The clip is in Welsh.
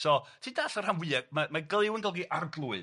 So, ti'n deall y rhan fwya', ma' mae glyw yn golygu arglwydd.